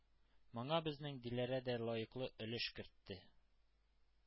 Моңа безнең диләрә дә лаеклы өлеш кертте.